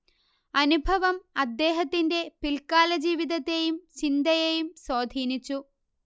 അനുഭവം അദ്ദേഹത്തിന്റെ പിൽക്കാലജീവിതത്തേയും ചിന്തയേയും സ്വാധീനിച്ചു